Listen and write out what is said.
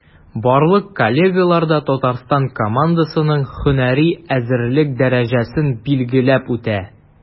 Барлык коллегалар да Татарстан командасының һөнәри әзерлек дәрәҗәсен билгеләп үтә.